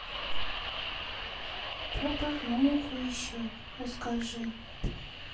про порнуху еще расскажи